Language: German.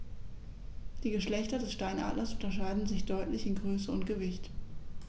Die Geschlechter des Steinadlers unterscheiden sich deutlich in Größe und Gewicht.